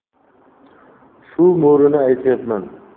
shu mo'rini aytyapman